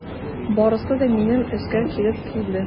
Барысы да минем өскә килеп иелде.